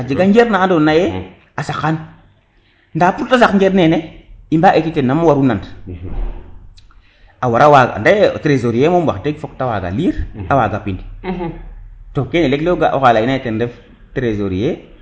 a jega njer na ando naye a saqan nda pour te saq njer nene i mba equiter nama waru nand a wara wago anda ye o tresorier moom wax deg fok te waga lire a waga pin to kene leg leg o ga oxa leye na ye ten ref tresorier qq